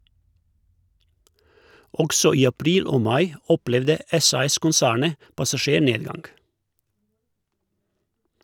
Også i april og mai opplevde SAS-konsernet passasjernedgang.